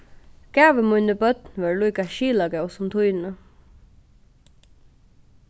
gævi míni børn vóru líka skilagóð sum tíni